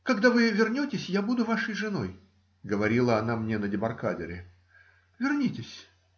- Когда вы вернетесь, я буду вашей женой, - говорила она мне на дебаркадере. - Вернитесь!